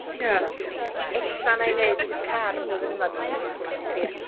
Ie. E-e ella wnâi neud car flwyddyn yma dwi'm yn gwbo. Nâi drio.